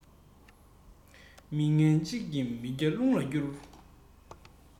མི ངན གཅིག གིས མི བརྒྱ རླུང ལ བསྐུར